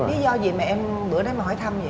lý do gì mà em bữa đó em hỏi thăm vậy